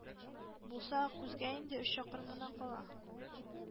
Булса, Аккүзгә инде. Өч чакрым гына кала.